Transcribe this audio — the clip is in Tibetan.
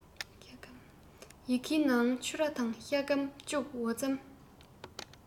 ཡི གེའི ནང ཕྱུར ར དང ཤ སྐམ ལྕུག འོ རྩམ